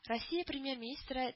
Россия Премьер-министры